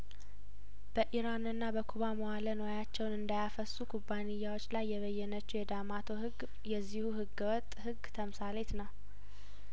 በኢራንና በኩባ መዋእለ ንዋያቸውን እንዳያፈሱ ኩባንያዎች ላይ የበየነችው የዳማቶ ህግ የዚሁ ህገ ወጥ ህግ ተምሳሌት ነው